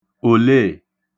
òleè